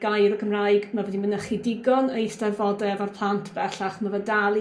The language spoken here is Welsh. gair o Gymraeg. Ma' fe 'di mynychu digon o eisteddfode efo'r plant bellach ma' fel dal i